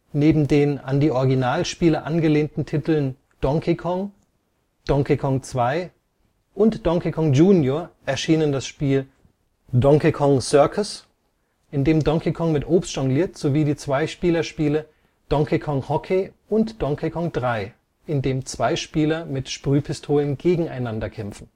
Neben den an die Original-Spiele angelehnten Titeln Donkey Kong, Donkey Kong 2 und Donkey Kong Jr. erschienen das Spiel Donkey Kong Circus, in dem Donkey Kong mit Obst jongliert, sowie die Zweispieler-Spiele Donkey Kong Hockey und Donkey Kong 3, in dem zwei Spieler mit Sprühpistolen gegeneinander kämpfen